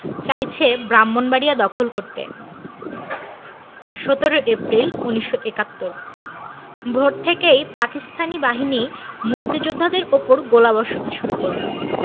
চাইছে ব্রাহ্মনবাড়িয়া দখল করতে ১৭ এপ্রিল ১৯৭১ ভোর থেকেই পাকিস্তানি বাহিনী মুক্তিযোদ্ধাদের উপর গোলাবর্ষণ শুরু করল